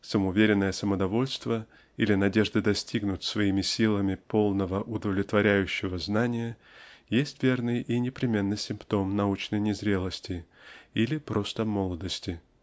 самоуверенное самодовольство или надежда достигнуть своими силами полного удовлетворяющего знания есть верный и непременный симптом научной незрелости или просто молодости.